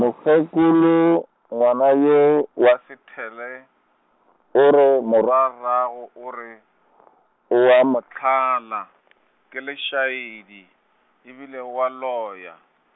mokgekolo, ngwana yo wa Sethale, o re morwa -rwago o re , oa mo hlala , ke lešaedi, e bile oa loya.